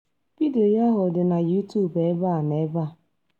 Vidiyo ahụ dị na YouTube ebe a na ebe a.